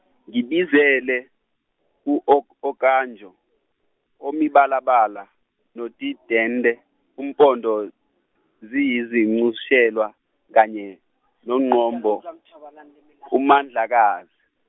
ngibizele u Ok- Okanjo omibalabala noTidendi ompondo, ziyizincushelwa kanye noNgqombo uMandlakazi.